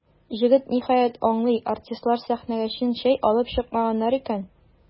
Җегет, ниһаять, аңлый: артистлар сәхнәгә чын чәй алып чыкмаганнар икән.